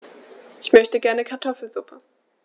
Ich möchte gerne Kartoffelsuppe.